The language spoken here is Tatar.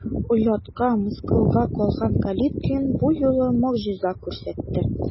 Оятка, мыскылга калган Калиткин бу юлы могҗиза күрсәтте.